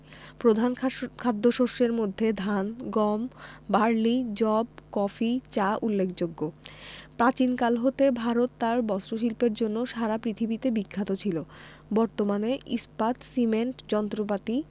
প্রধান খাদ্যশস্যের মধ্যে ধান গম বার্লি যব কফি চা উল্লেখযোগ্যপ্রাচীনকাল হতে ভারত তার বস্ত্রশিল্পের জন্য সারা পৃথিবীতে বিখ্যাত ছিল বর্তমানে ইস্পাত সিমেন্ট যন্ত্রপাতি